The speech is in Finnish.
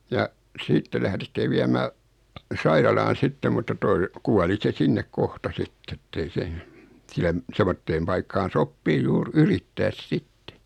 ja sitten lähdettiin viemään sairaalaan sitten mutta tuo kuoli se sinne kohta sitten että ei se siellä semmoiseen paikkaan sopii juuri yrittää sitten